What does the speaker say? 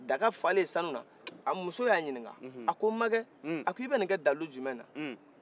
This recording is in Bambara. daga falen sanunan a muso y'a ɲininka a ko makɛ a ko i bɛ nin kɛ dalilu jumɛn na